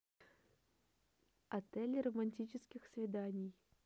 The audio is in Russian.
отель романтических свиданий